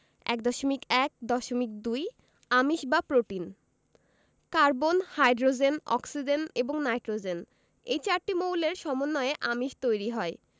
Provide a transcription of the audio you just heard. ১.১.২ আমিষ বা protein carbon hydrogen oxygen এবং নাইট্রোজেন এ চারটি মৌলের সমন্বয়ে আমিষ তৈরি হয়